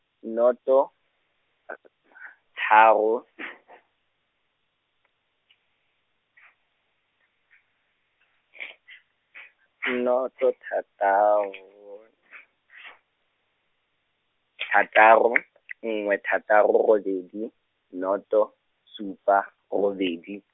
noto, tharo , noto thataro, thataro, nngwe thataro robedi, noto, supa , robedi.